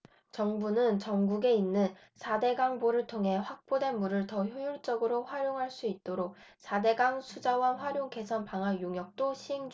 정부는 전국에 있는 사 대 강 보를 통해 확보된 물을 더 효율적으로 활용할 수 있도록 사 대 강 수자원 활용 개선 방안 용역도 시행 중이다